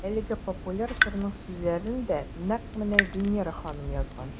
Әлеге популяр җырның сүзләрен дә нәкъ менә Винера ханым язган.